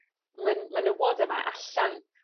myn- menywod yma allan